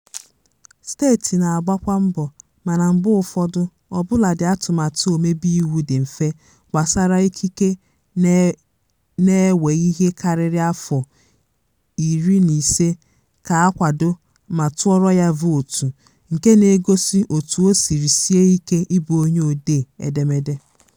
Steeti na-agbakwa mbọ mana mgbe ụfọdụ ọbụladị atụmatụ omebeiwu dị mfe gbasara ikike na-ewe ihe karịrị afọ 15 ka a kwado ma tụọrọ ya vootu, nke na-egosi otu o siri sie ike ịbụ onye odee edemede.